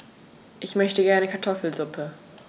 Ich möchte gerne Kartoffelsuppe.